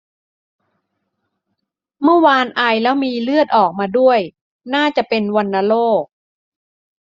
เมื่อวานไอแล้วมีเลือดออกมาด้วยน่าจะเป็นวัณโรค